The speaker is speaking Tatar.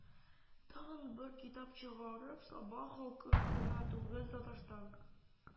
Тагын бер китап чыгарып, саба халкын гына түгел, татарстан